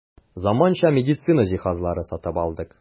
Заманча медицина җиһазлары сатып алдык.